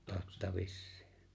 totta vissiin